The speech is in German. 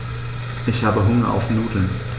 Ich habe Hunger auf Nudeln.